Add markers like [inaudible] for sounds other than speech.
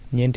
[hesitation] [hesitation]